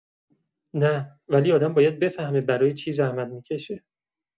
نه، ولی آدم باید بفهمه برای چی زحمت می‌کشه.